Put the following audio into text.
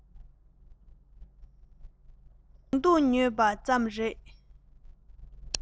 རང སྡུག ཉོས པ ཙམ རེད